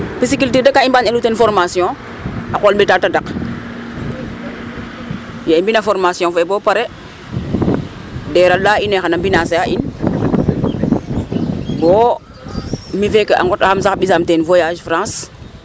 Pisciculture de ga i mbi'anel o ten formation a qool ɓeta tadak. Yee i mbi'na formation fe bo pare DER a laya in ee xay ta financer a in bo mi' fe feeke sax a nqotaxam teen a ɓisaamooyo teen sax voyages France.